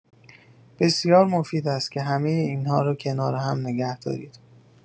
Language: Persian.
بسیار مفید است که همه این‌ها را کنار هم نگه دارید.